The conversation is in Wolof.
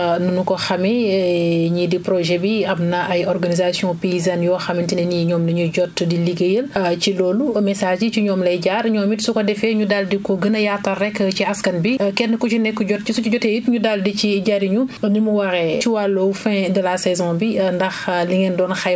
xibaar yi ngeen di joxe mu jëmee ci béykat yi donte sax ni ma ko xamee ñii di projet bii am na ay organisations paysanes yoo xamante ne nii ñoom la ñuy jot di liggéeyal ci loolu messages yi ci ñoom lay jaar ñoom it su ko defee ñu daal di ko gën a yaatal rekk ci askan bi kenn ku ci nekk jot si su si jotee it ñu daal di si jariñu ni mu waree